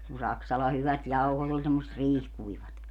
kun Saksalan hyvät jauhot oli semmoiset riihikuivat